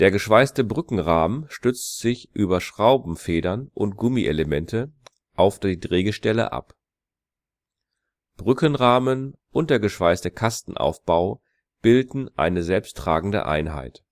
geschweißte Brückenrahmen stützt sich über Schraubenfedern und Gummielemente auf die Drehgestelle ab. Brückenrahmen und der geschweißte Kastenaufbau bilden eine selbsttragende Einheit